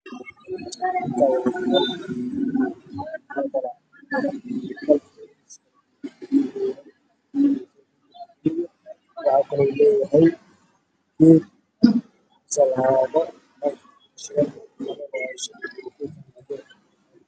Waa qol waxaa kor ku dhagan leer cadaan ah